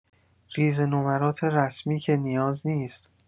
ریز نمرات رسمی که نیاز نیست؟